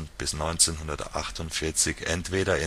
bis 1948 entweder